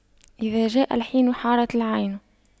إذا جاء الحين حارت العين